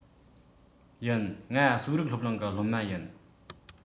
ཡིན ང གསོ རིག སློབ གླིང གི སློབ མ ཡིན